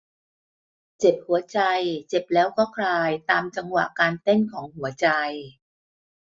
เจ็บหัวใจเจ็บแล้วก็คลายตามจังหวะการเต้นของหัวใจ